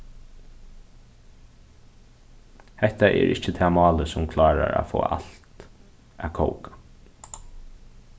hetta er ikki tað málið sum klárar at fáa alt at kóka